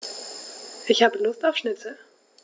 Ich habe Lust auf Schnitzel.